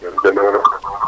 Seydou dieng na nga def